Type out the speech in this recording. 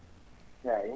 eeyi